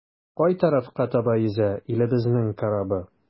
Кай тарафка таба йөзә илебезнең корабы?